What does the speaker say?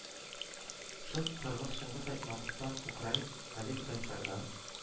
Шын кыргыз чыңгыз айтматовтан, украин олесь гончардан,